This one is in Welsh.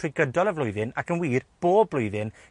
trwy gydol y flwyddyn, ac yn wir, bob blwyddyn